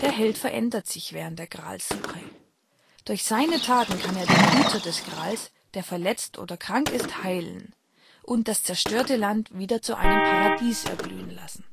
Held verändert sich während der Gralssuche. Durch seine Taten kann er den Hüter des Grals, der verletzt oder krank ist, heilen, und das zerstörte Land wieder zu einem Paradies erblühen lassen